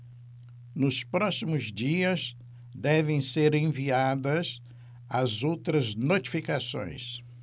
nos próximos dias devem ser enviadas as outras notificações